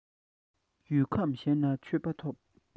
ཡུལ ཁམས གཞན ན མཆོད པ ཐོབ